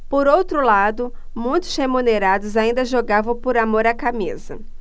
por outro lado muitos remunerados ainda jogavam por amor à camisa